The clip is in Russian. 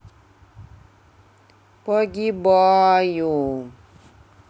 погибаю